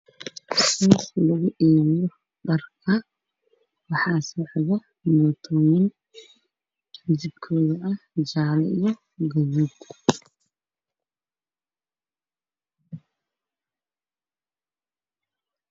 Waa laami waxaa maraayo bajaaj guduud oo teendhooyin yar yar